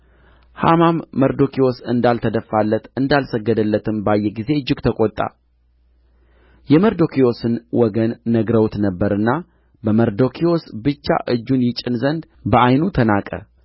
ሐማም መርዶክዮስ እንዳልተደፋለት እንዳልሰገደለትም ባየ ጊዜ እጅግ ተቈጣ የመርዶክዮስን ወገን ነግረውት ነበርና በመርዶክዮስ ብቻ እጁን ይጭን ዘንድ በዓይኑ ተናቀ